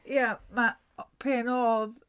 Ie ma- Pan oedd...